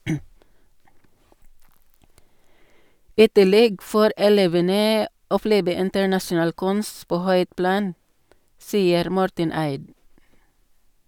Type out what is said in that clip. I tillegg får elevene oppleve internasjonal kunst på høyt plan, sier Morten Eid.